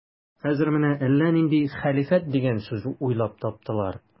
Хәзер менә әллә нинди хәлифәт дигән сүз уйлап таптылар.